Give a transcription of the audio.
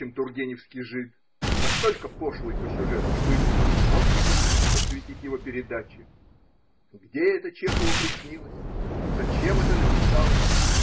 чем тургеневский Жид, настолько пошлый по сюжету, что и двух строк не хочется посвятить его передаче. Где это Чехову приснилось? Зачем это написалось?